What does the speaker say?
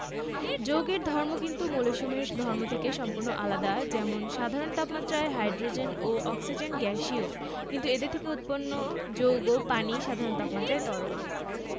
এগুলোকে কৃত্রিম মৌল বলে তুমি কি জানো তোমার শরীরে মোট ২৬ ধরনের ভিন্ন ভিন্ন মৌল আছে